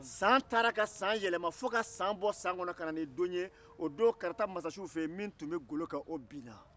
san taara ka san yɛlɛma fo ka san bɔ san kɔnɔ ka na ni don ye o don karata mansasiw fɛ yen min tun bɛ golo kan o bin na k